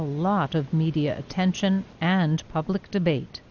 nót ợp mi đi ơ then sưn en bắp lịch tơ bây